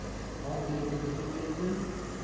mol ketsin pul ketsin